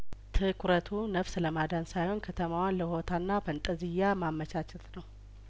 ትኩረቱ ነፍስ ለማዳን ሳይሆን ከተማዋን ለሆታና ፈንጠዝያ ማመቻቸት ነው